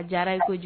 A jara i ko kojugu